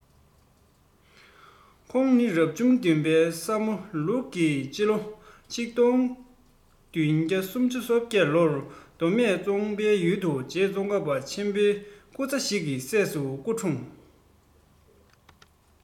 ཁོང ནི རབ བྱུང བདུན པའི ས མོ ལུག ཕྱི ལོ ༡༤༣༩ ལོར མདོ སྨད ཙོང ཁའི ཡུལ དུ རྗེ ཙོང ཁ པ ཆེན པོའི སྐུ ཚ ཞིག གི སྲས སུ སྐུ འཁྲུངས